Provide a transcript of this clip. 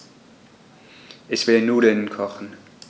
Ich will Nudeln kochen.